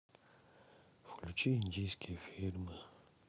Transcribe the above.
включи индийские фильмы